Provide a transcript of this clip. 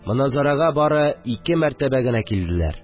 Моназарәгә бары ике мәртәбә генә килделәр.